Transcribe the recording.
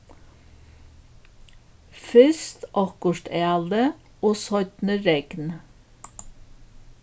fyrst okkurt ælið og seinni regn